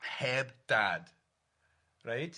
heb dad, reit?